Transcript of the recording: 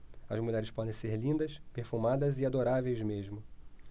as mulheres podem ser lindas perfumadas e adoráveis mesmo